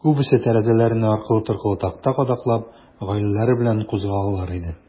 Күбесе, тәрәзәләренә аркылы-торкылы такта кадаклап, гаиләләре белән кузгалалар иде.